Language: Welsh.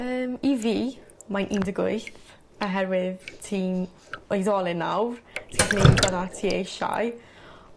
Yym i fi mae un deg wyth oherwydd ti'n oedolyn nawr. Ti gallu neu' be' bynnag ti eisiau.